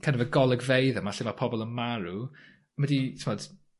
kin' of y golygfeydd yma lle ma' pobol yn marw, ma' 'di t'mod